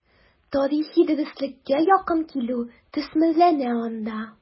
Тарихи дөреслеккә якын килү төсмерләнә анда.